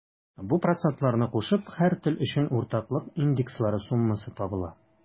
Бу процентларны кушып, һәр тел өчен уртаклык индекслары суммасы табыла.